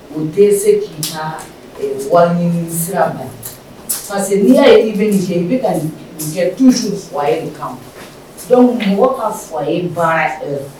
U tɛ se k'i ka wariɲinisira bali, parceque n'i y'a ye i bɛ ka nin kɛ i bɛ ka nin kɛ toujours foyer de kama donc mɔgɔ ka foyer baara